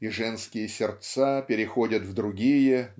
и женские сердца переходят в другие